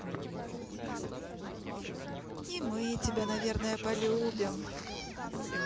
и мы тебя наверное полюбим